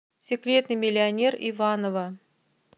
секретный миллионер иваново